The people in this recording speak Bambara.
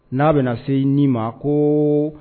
N'a bɛna se n ma ko